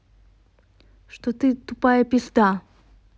что ты тупая пизда